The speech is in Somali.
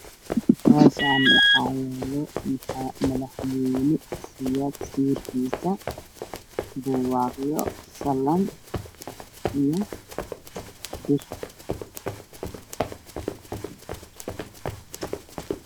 Maashaan waxaayaalo madaxwaynasiyaadsawirkiisa saaran